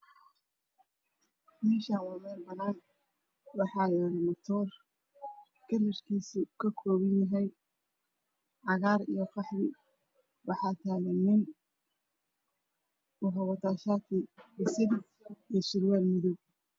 Meeshan waa meel banan waxa yaalo matoor kalarkiisa uu kakobanyahay cagaar iyo qaxwi waxaa taagan nin waxa uu wataa shati basali ah iyo surwal madoow